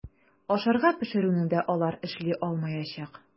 Ашарга пешерүне дә алар эшли алмаячак.